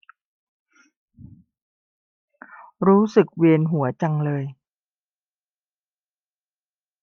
รู้สึกเวียนหัวจังเลย